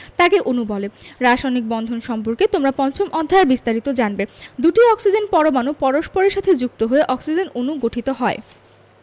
তাকে অণু বলে রাসায়নিক বন্ধন সম্পর্কে তোমরা পঞ্চম অধ্যায়ে বিস্তারিত জানবে দুটি অক্সিজেন পরমাণু পরস্পরের সাথে যুক্ত হয়ে অক্সিজেন অণু গঠিত হয়